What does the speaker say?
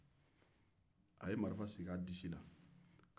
a ye marifa sigi a disi la